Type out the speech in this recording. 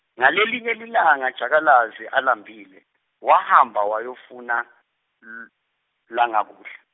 ngalelinye lilanga jakalazi alambile, wahamba wayofuna l- langakudla.